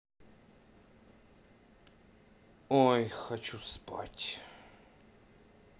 ой хочу спать